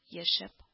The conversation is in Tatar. Яшәп